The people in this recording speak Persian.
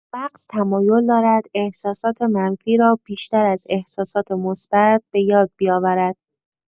مغز تمایل دارد احساسات منفی را بیشتر از احساسات مثبت بۀاد بیاورد.